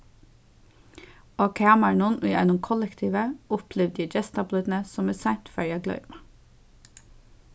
á kamarinum í einum kollektivi upplivdi eg gestablídni sum eg seint fari at gloyma